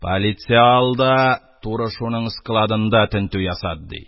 , политсә ал да, туры шуның складында тентү ясат! — ди.